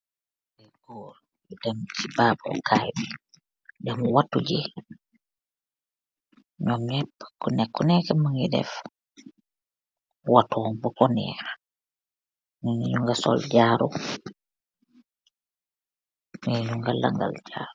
Barabi watuakai, kunek mugii def watu baku nèèx. Ngi lagal jaru.